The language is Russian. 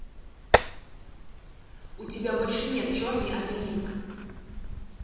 у тебя больше нет черный обелиск